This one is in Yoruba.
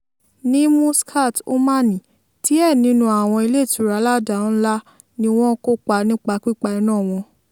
Ní Muscat, Oman, díẹ̀ nínú àwọn ilé-ìtura aládàá-ńlá ni wọ́n kópa nípa pípa iná wọn.